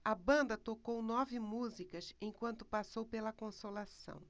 a banda tocou nove músicas enquanto passou pela consolação